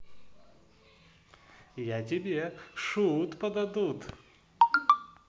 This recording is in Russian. я тебе shut подадут